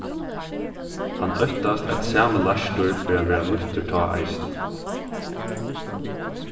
hann óttast at sami leistur fer at verða nýttur tá eisini